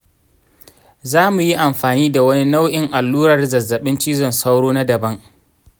zamu yi amfani da wani nau'in allurar zazzabin cizon sauro na daban.